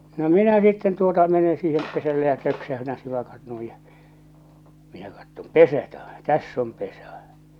no minä sitten tuota menen siihen pesälle ja töksäytän sivakat noin ja minä katson pesä - tässä on pesä